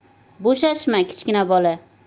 bo'shashma kichkina bola